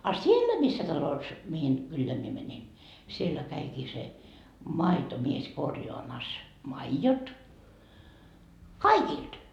a siellä missä talossa mihin kylään minä menin siellä kävikin se maitomies korjaamassa maidot kaikilta